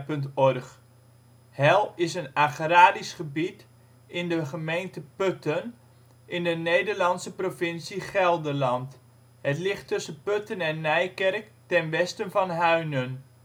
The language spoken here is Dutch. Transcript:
OL Hell Plaats in Nederland Situering Provincie Gelderland Gemeente Putten Coördinaten 52° 14′ NB, 5° 33′ OL Portaal Nederland Hell is een agrarisch gebied (buurtschap) in de gemeente Putten, in de Nederlandse provincie Gelderland. Het ligt tussen Putten en Nijkerk, ten westen van Huinen